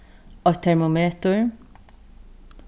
eitt termometur